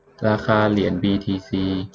ราคาเหรียญบีทีซี